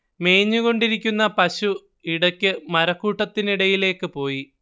മേഞ്ഞുകൊണ്ടിരിക്കുന്ന പശു ഇടയ്ക്കു മരക്കൂട്ടത്തിനിടയിലേക്ക് പോയി